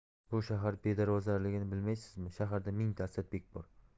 bu shahar bedarvozaligini bilmaysizmi shaharda mingta asadbek bor